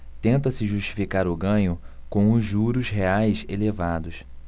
tenta-se justificar o ganho com os juros reais elevados